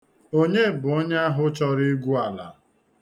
Onye bụ onye ahụ chọrọ igwu ala?